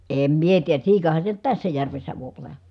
en minä tiedä siikahan se nyt tässä järvessä voi olla